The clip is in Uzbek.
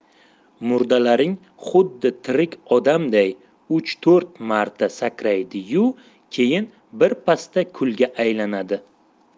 murdalaring xuddi tirik odamday uch to'rt marta sakraydi yu keyin birpasda kulga aylanadi